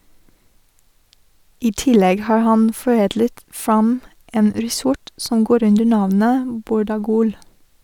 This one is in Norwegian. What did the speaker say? I tillegg har han foredlet fram en rissort som går under navnet "Bordagol".